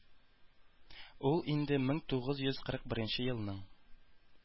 Ул инде мең тугыз йөз кырык беренче елның